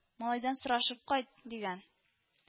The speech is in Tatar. Малайдан сорашып кайт! – дигән